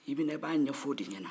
i bɛ na i b'a ɲɛf'o de ɲɛna